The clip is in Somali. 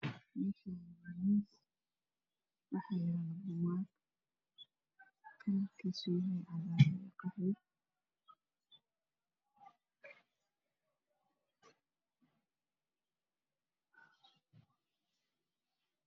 Meshani waa miis waxayalo boogag kalarkisu yahay cagar io qaxwi